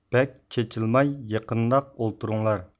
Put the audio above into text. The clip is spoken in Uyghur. بەك چېچىلماي يېقىنراق ئولتۇرۇڭلار